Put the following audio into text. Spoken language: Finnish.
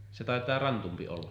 se taitaa krantumpi olla